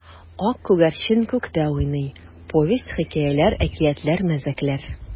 Ак күгәрчен күктә уйный: повесть, хикәяләр, әкиятләр, мәзәкләр.